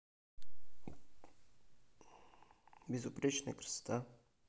безупречная красота